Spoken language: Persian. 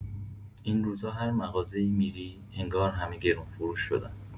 این روزا هر مغازه‌ای می‌ری، انگار همه گرون‌فروش شدن.